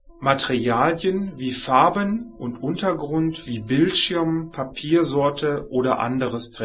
Materialen wie Farben und Untergrund wie Bildschirm, Papiersorte oder anderes